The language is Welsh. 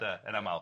De, yn aml.